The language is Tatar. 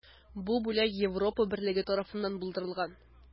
Бу бүләк Европа берлеге тарафыннан булдырылган.